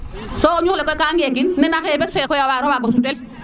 so ñux ro le koy ka ngeekin nene xene bes fe koy a wara wago sutel